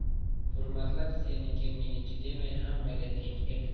hurmatlab seniki meniki demay xammaga teng edi